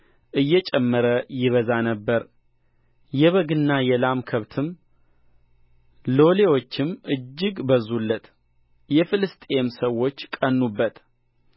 እየጨመረ ይበዛ ነበር የበግና የላም ከብትም ሎሌዎችም እጅግ በዙለት የፍልስጥኤም ሰዎች ቀኑበት